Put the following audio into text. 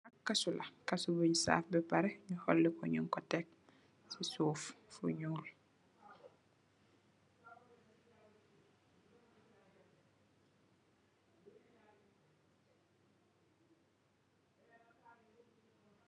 Lii nak kaasu la, kaasu bungh saaf beh pareh, nju horli kor, nung kor tek cii suff fu njull.